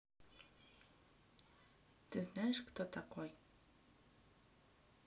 ты знаешь кто такой